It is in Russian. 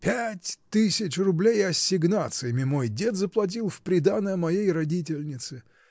— Пять тысяч рублей ассигнациями мой дед заплатил в приданое моей родительнице.